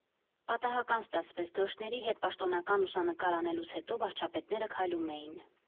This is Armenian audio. Պատահական ստացվեց՝ «դրոշների հետ» պաշտոնական լուսանկար անելուց հետո վարչապետները քայլում էին։